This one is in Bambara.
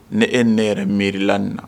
Ne e ne yɛrɛ miirila nin na